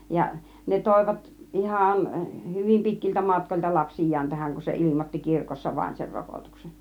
ja ne toivat ihan hyvin pitkiltä matkoilta lapsiaan tähän kun se ilmoitti kirkossa vain sen rokotuksen